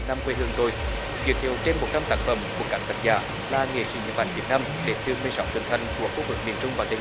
nam quê hương tôi giới thiệu trên bốn trăm tác phẩm của các tác giả là nghệ sĩ nhiếp ảnh việt nam để từ mười sáu tỉnh thành của khu vực miền trung và tây